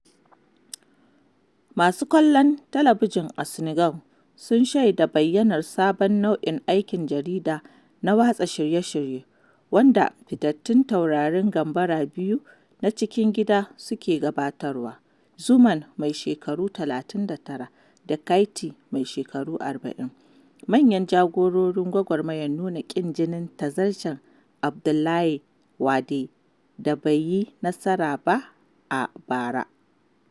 Masu kallon talabijin a Senegal sun shaida bayyanar sabon nau’in aikin jarida na watsa shirye-shirye, wanda fitattun taurarin gambara biyu na cikin gida suke gabatarwa, Xuman (mai shekaru 39) da Keyti (mai shekaru 40), manyan jagororin gwagwarmayar nuna ƙin jinin tazarcen Abdoulaye Wade da bai yi nasara ba a bara.